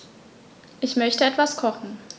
Ich möchte etwas kochen.